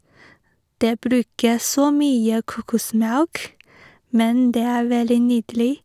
Det bruker så mye kokosmelk, men det er veldig nydelig.